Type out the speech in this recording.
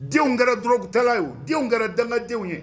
Denw kɛra dɔrɔnku tala o denw kɛra dandenw ye